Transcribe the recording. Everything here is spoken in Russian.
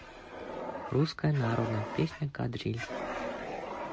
русская народная песня кадриль